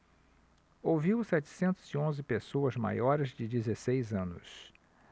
ouviu setecentos e onze pessoas maiores de dezesseis anos